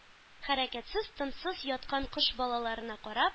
Хәрәкәтсез-тынсыз яткан кош балаларына карап,